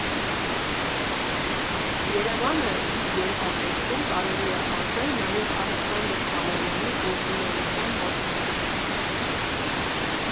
«Երևանը» իր ենթատեքստում, կարելի է ասել, նաև Ալեքսանդր Թամանյանի գործունեության մասին է։